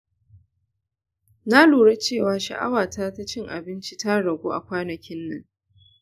na lura cewa sha’awata ta cin abinci ta ragu a kwanakin nan.